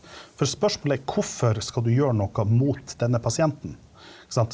for spørsmålet er hvorfor skal du gjøre noe mot denne pasienten sant.